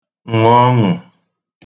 ṅụ̀ ọṅụ̀